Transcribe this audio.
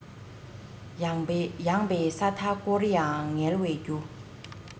ཡངས པའི ས མཐའ བསྐོར ཡང ངལ བའི རྒྱུ